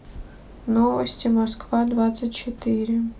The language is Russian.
новости москва двадцать четыре